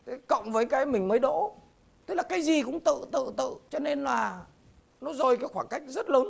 cộng với cái mình mới đỗ tức là cái gì cũng tự tự tự cho nên là nó rơi khoảng cách rất lớn